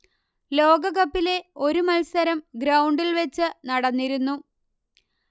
ലോകകപ്പിലെ ഒരു മത്സരം ഗ്രൗണ്ടിൽ വെച്ച് നടന്നിരുന്നു